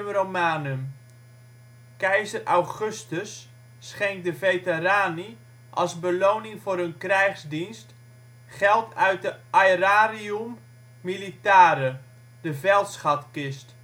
Romanum. Keizer Augustus schenkt de veterani als beloning voor hun krijgsdienst, geld uit de aerarium militare (veldschatkist